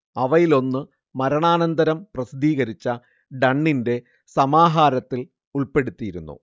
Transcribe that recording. അവയിലൊന്ന് മരണാന്തരം പ്രസിദ്ധീകരിച്ച ഡണ്ണിന്റെ സമഹാരത്തിൽ ഉൾപ്പെടുത്തിയിരുന്നു